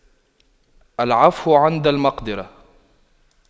العفو عند المقدرة